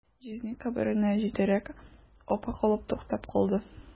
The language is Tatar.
Җизни каберенә җитәрәк, апа капыл туктап калды.